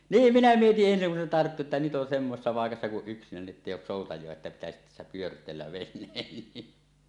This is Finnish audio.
niin minä mietin ensin kun se tarttui että nyt on semmoisessa paikassa kun yksinäni että ei ole soutajia että pitäisi tässä pyörteellä veneen niin